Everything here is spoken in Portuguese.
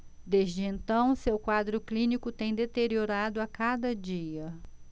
desde então seu quadro clínico tem deteriorado a cada dia